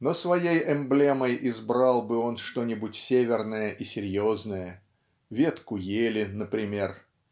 но своей эмблемой избрал бы он что-нибудь северное и серьезное ветку ели, например.